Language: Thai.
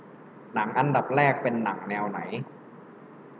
หนังอันดับแรกเป็นหนังแนวไหน